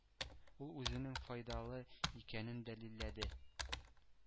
Ул үзенең файдалы икәнен дәлилләде.